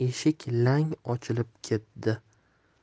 eshik lang ochilib ketdi